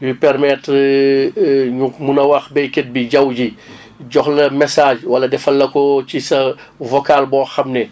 yuy permettre ñu mun a wax béykat bi jaww ji jox leen message wala defal la ko ci sa vocal boo xam ne